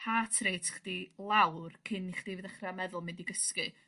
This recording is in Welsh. heart rate chdi lawr cyn i chdi 'di ddechra meddwl mynd i gysgu.